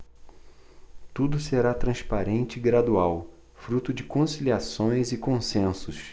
tudo será transparente e gradual fruto de conciliações e consensos